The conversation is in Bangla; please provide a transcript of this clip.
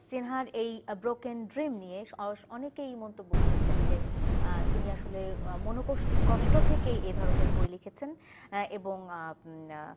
সিনহার এই ব্রোকেন ড্রিম নিয়ে অনেকেই মন্তব্য করেছেন যে তিনি আসলে মনোকষ্ট থেকে এ ধরনের বই লিখেছেন এবং